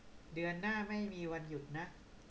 เดือนหน้าไม่มีวันหยุดนะ